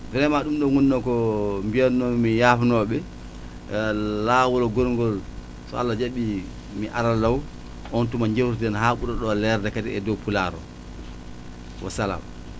vraiment